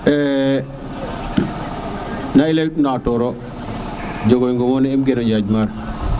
na leyit ina xatoor rek jogoy lalu in ken i ñaañ na